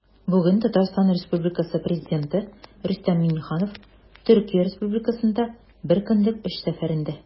Бүген Татарстан Республикасы Президенты Рөстәм Миңнеханов Төркия Республикасында бер көнлек эш сәфәрендә.